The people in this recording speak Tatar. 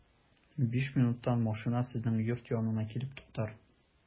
Биш минуттан машина сезнең йорт янына килеп туктар.